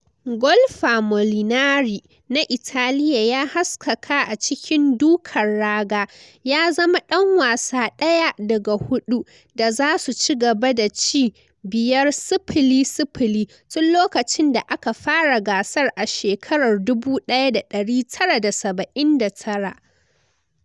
Golfer Molinari na Italiya ya haskaka a cikin dukan raga, ya zama dan wasa 1-daga-4 da za su ci gaba da ci 5-0-0 tun lokacin da aka fara gasar a shekarar 1979.